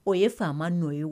O ye faama nɔ ye